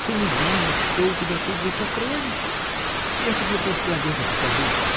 Ты не знаешь, что у тебя тут за сокровища! Я тебе после обеда покажу.